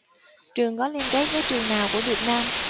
trường có liên kết với trường nào của việt nam